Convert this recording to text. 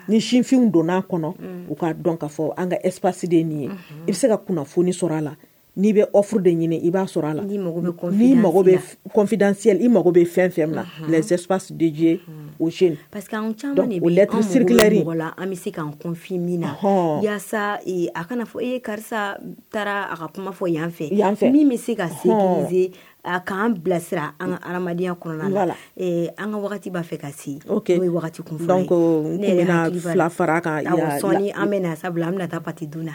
Ni sinfin donna'a kɔnɔ u k'a dɔn ka fɔ an ka epsi de nin ye i bɛ se ka kunnafoni sɔrɔ a la n' bɛ furu de ɲini i b'a sɔrɔ a lasi i mako bɛ fɛn fɛn na si de o parce que camanlɛ siri la an bɛ sefin min na h yaa a kana fɔ e karisa taara a ka kuma fɔ yanfɛ yanfɛ min bɛ se ka k'an bilasira an ka hadenyaya kɔnɔna la an ka waati b'a fɛ ka se o bɛ kun ko ne fara kan sɔ an bɛ na sabula an bɛna na taa pati dun na